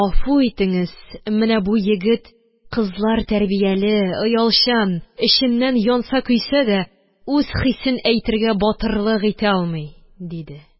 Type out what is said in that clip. Мине гафу итеңез, менә бу егет кызлар тәрбияле, оялчан, эченнән янса-көйсә дә, үз хисен әйтергә батырлык итә алмый, – диде.